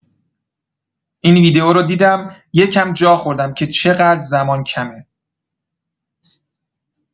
این ویدیو رو دیدم، یکم جا خوردم که چقدر زمان کمه.